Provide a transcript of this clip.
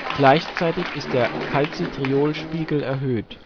gleichzeitig ist der Calcitriol-Spiegel erhöht